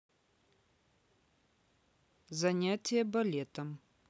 занятия балетом